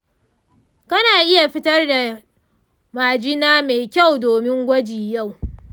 kana iya fitar da majina mai kyau domin gwaji yau?